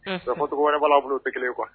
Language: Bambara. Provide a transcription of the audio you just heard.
Ko tɔgɔ wɛrɛ' bolo tɛ kelen kuwa